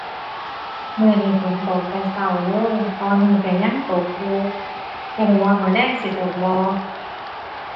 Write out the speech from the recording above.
มื้อนี้ฝนตกแต่เช้าเลย ตอนนี้เช้ายังตกอยู่ บ่เช้าว่ามื้อแลงสิตกบ่